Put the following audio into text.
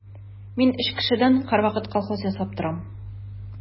Мин өч кешедән һәрвакыт колхоз ясап торам.